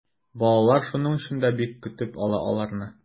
Балалар шуның өчен дә бик көтеп ала аларны.